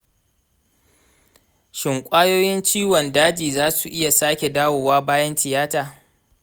shin kwayoyin ciwon daji za su iya sake dawowa bayan tiyata?